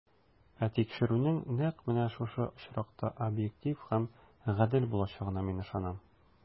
Ә тикшерүнең нәкъ менә шушы очракта объектив һәм гадел булачагына мин ышанам.